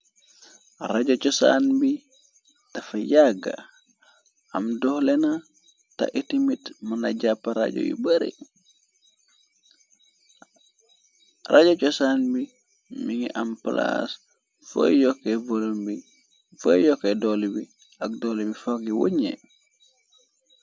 Rajo chosaan bi deffa yagga am doolena ta iti mit mëna jàppa raja cosaan bi mi ngi am palaas foy yokke doole bi ak dooli bi fogkoy woñe.